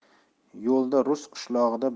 yo'lda rus qishlog'ida